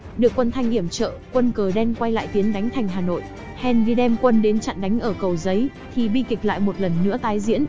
được quân thanh yểm trợ quân cờ đen quay lại tiến đánh thành hà nội henri đem quân đến chặn đánh ở cầu giấy thì bi kịch lại lần nữa tái diễn